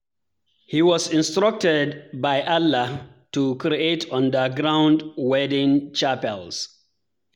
He was instructed by Allah to create underground wedding chapels.